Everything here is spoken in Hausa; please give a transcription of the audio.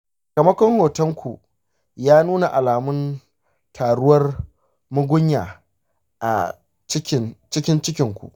sakamakon hoton ku ya nuna alamun taruwar mugunya a cikin cikin ku.